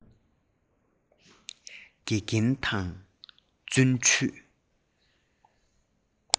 དགེ རྒན དང བརྩོན འགྲུས